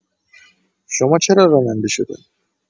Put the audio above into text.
شما چرا راننده شدین؟